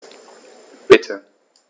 Bitte.